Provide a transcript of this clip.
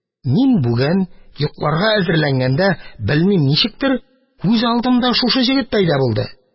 Мин бүген йокларга әзерләнгәндә, белмим, ничектер, күз алдымда шушы егет пәйда булды.